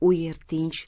u yer tinch